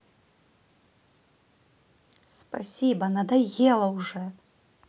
спасибо надоело уже